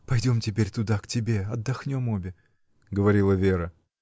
— Пойдем теперь туда, к тебе, отдохнем обе, — говорила Вера.